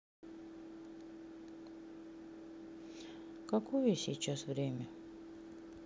какое сейчас время